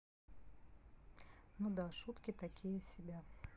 ну да шутки такие себя